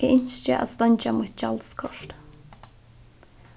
eg ynski at steingja mítt gjaldskort